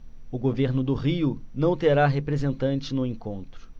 o governo do rio não terá representante no encontro